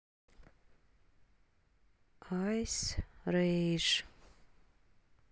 айс рэйж